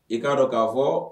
I k'a dɔn k'a fɔ